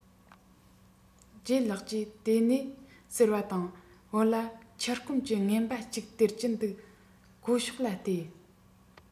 ལྗད ལགས ཀྱིས དེ ནས ཟེར བ དང བུ ལ ཕྱུར སྐོམ གྱི བརྔན པ གཅིག སྟེར གྱིན དུ སྒོ ཕྱོགས ལ བལྟས